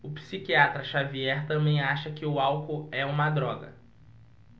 o psiquiatra dartiu xavier também acha que o álcool é uma droga